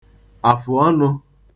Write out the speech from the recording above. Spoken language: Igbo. àfụ̀ọnụ̄